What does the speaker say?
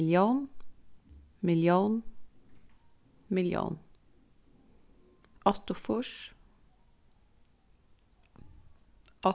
millión millión millión áttaogfýrs